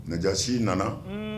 Nɛgɛjasi nana